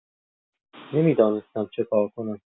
نمی‌دانستم چه‌کار کنم.